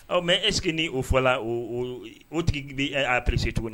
Ɔ mais est-ce que ni o fɔla, o tigi bɛ e apprecier tuguni wa?